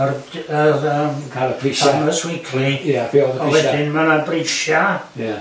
o'r d- o'dd yym yy... ca'l y prisia... Farmers Weekly ia be o'dd y prisia...va wedyn ma' na brisia... Ia